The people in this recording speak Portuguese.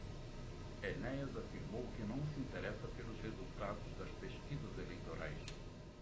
enéas afirmou que não se interessa pelos resultados das pesquisas eleitorais